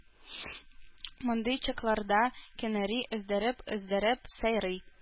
Мондый чакларда кенәри өздереп-өздереп сайрый